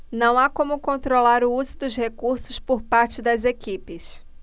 não há como controlar o uso dos recursos por parte das equipes